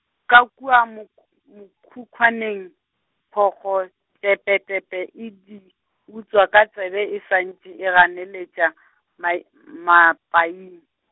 ka kua mok- mokhukhwaneng, phokgo tepetepe e di, utswa ka tsebe e sa ntše e ganeletšwa, mai-, mapaing.